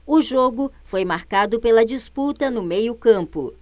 o jogo foi marcado pela disputa no meio campo